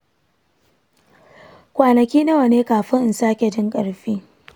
kwanaki nawa ne kafin in sake jin ƙarfi?